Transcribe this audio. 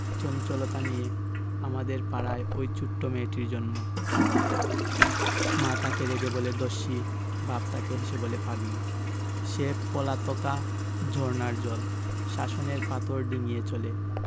চঞ্চলতা নিয়ে আমাদের পাড়ায় ঐ ছোট মেয়েটির জন্ম মা তাকে রেগে বলে দস্যি বাপ তাকে হেসে বলে পাগলি সে পলাতকা ঝরনার জল শাসনের পাথর ডিঙ্গিয়ে চলে